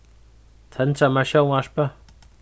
tendra mær sjónvarpið